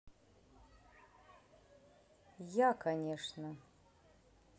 я конечно